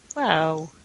Waw!